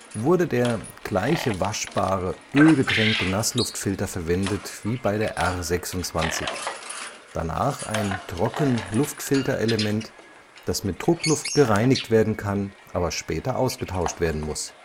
wurde der gleiche waschbare, ölgetränkte Nassluftfilter verwendet wie bei der R 26, danach ein Trocken-Luftfilterelement, das mit Druckluft gereinigt werden kann, aber später ausgetauscht werden muss